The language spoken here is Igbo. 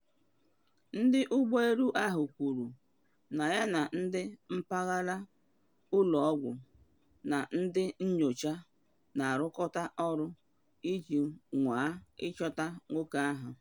Ndị ụgbọ elu ahụ kwuru na ya na ndị mpaghara, ụlọ ọgwụ na ndị nyocha na arụkọta ọrụ iji nwaa ịchọta nwoke ahụ.